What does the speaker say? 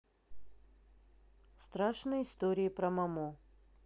страшные истории про момо